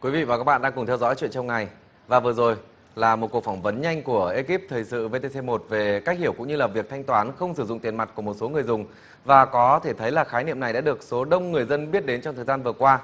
quý vị và các bạn đang cùng theo dõi chuyện trong ngày và vừa rồi là một cuộc phỏng vấn nhanh của ê kíp thời sự vê tê xê một về cách hiểu cũng như là việc thanh toán không sử dụng tiền mặt của một số người dùng và có thể thấy là khái niệm này đã được số đông người dân biết đến trong thời gian vừa qua